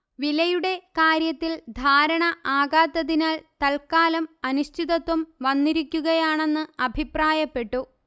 വിലയുടെ കാർയത്തിൽ ധാരണ ആകാത്തതിനാൽ തല്ക്കാലം അനിശ്ചിതത്വം വന്നിരിക്കുകയാണെന്ന്അഭിപ്രായപ്പെട്ടു